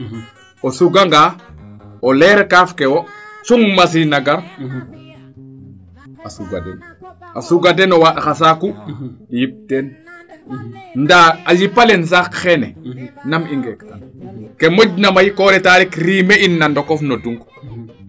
o suga ngaa o leer kaaf ke wo cung machine a gar a suga den a suga den o waand xa saaku yip teen ndaa a yipale saaq xeene nam i ngeek tan ke moƴna may koo reta rek riime in na ndokof o ndung